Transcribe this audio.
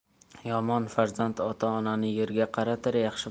yomon farzand ota onani yerga qaratar